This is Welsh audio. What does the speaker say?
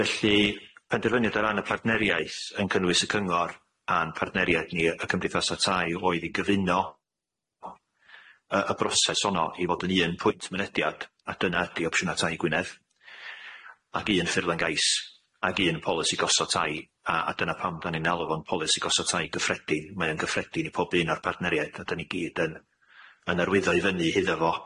Felly penderfyniad ar ran y partneriaeth yn cynnwys y cyngor a'n partneriad ni yy y cymdeithasa tai oedd i gyfuno yy y broses 'onno i fod yn un pwynt mynediad a dyna ydi opshiyna tai Gwynedd ag un ffurflen gais ag un polisi gosod tai a a dyna pam 'dan ni'n alw fo'n polisi gosod tai gyffredin mae o'n gyffredin i pob un o'r partneried a 'dan ni gyd yn yn arwyddo i fyny iddo fo